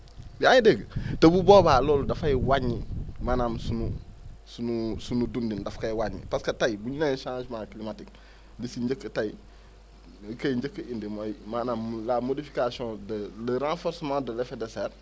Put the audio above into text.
yaa ngi dégg te bu boobaa loolu dafay wàññi maanaam sunu sunu sunu dundin da f koy wàññi parce que tey bu ñu nee changement climatique li si njëkk tey li koy njëkk a indi mooy maanaam la modification de le renforcement de l' effet de serre